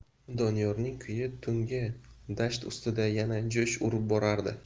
doniyorning kuyi tungi dasht ustida yana jo'sh urib borardi